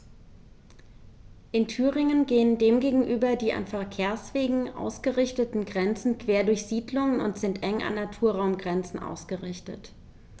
In Thüringen gehen dem gegenüber die an Verkehrswegen ausgerichteten Grenzen quer durch Siedlungen und sind eng an Naturraumgrenzen ausgerichtet.